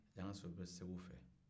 yangaso bɛ segu fɛ